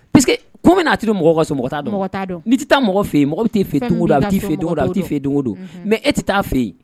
Pa que komi bɛ'a mɔgɔ kɔsɔ tɛ mɔgɔ fɛ yen mɔgɔ bɛ tɛ bɛ don mɛ e tɛ taa fɛ yen